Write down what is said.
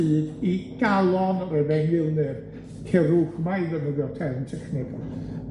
hyd i galon yr efengyl ne'r Cerwgmai i ddefnyddio term technolegol,